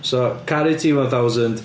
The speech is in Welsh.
So Caru T one thousand.